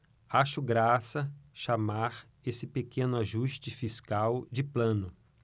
acho graça chamar esse pequeno ajuste fiscal de plano